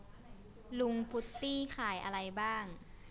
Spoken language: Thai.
ลุงฟรุตตี้ขายอะไรบ้าง